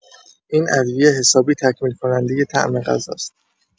این ادویه حسابی تکمیل‌کنندۀ طعم غذاست.